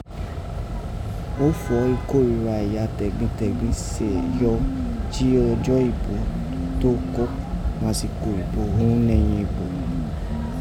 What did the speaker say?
Ọ̀fọ̀ ìkórìíra ẹ̀yà tẹ̀gbẹntẹ̀gbẹn sẹ́ yọ jí ọjọ́ ìbò ó tọ́n kò, nàsìkò ìbò oghun nẹ̀yìn ìbò.